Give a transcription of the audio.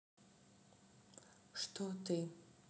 что ты